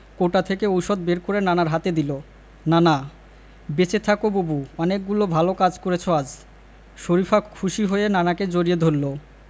কৌটা থেকে ঔষধ বের করে নানার হাতে দিল নানা বেঁচে থাকো বুবু অনেকগুলো ভালো কাজ করেছ আজ শরিফা খুশি হয়ে নানাকে জড়িয়ে ধরল